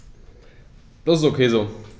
Das ist ok so.